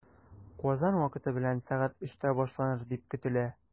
Казан вакыты белән сәгать өчтә башланыр дип көтелә.